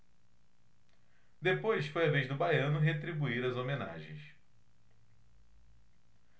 depois foi a vez do baiano retribuir as homenagens